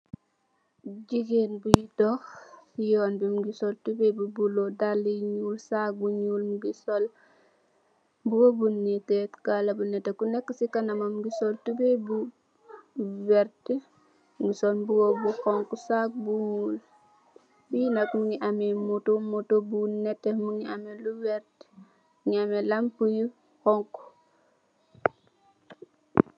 Jigéen buy dox, si yoon bi, sol tubööy bu bulo, dallë yu ñuul, saac bu ñuul, mbuba bu nétté ak kaala bu nétté. Mu neeka si kanamam, mu ngi sol tubööy bu werta, mu sol mbuba bu xoñxu, saac bu ñuul, fii nak, mu ngi amee "motto" bu nétté, mu ngi amee lu werta, mu ngi amee lampu yu xoñxu.